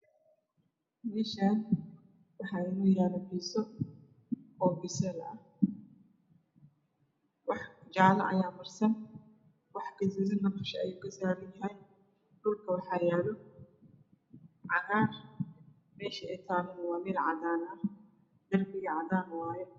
Meshaan waxa ino yalo bidso oo bisel ah wax jaalo aya marsan wax gadudan dusha ayey ka sarn yihin dhulka waxa yalo cagaar mesha ay talo waa mel cadan ah darbigana cadan waaye